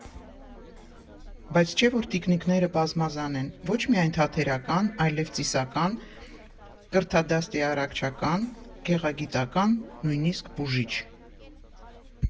Բայց չէ՞ որ տիկնիկները բազմազան են՝ ոչ միայն թատերական, այլև ծիսական, կրթադաստիարակչական, գեղագիտական, նույնիսկ բուժիչ։